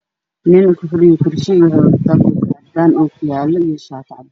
Meeshaan waxaa fadhiya nin khamiis cad wata oo makarafoon afar ku haya oo kursi madow ku fadhiyo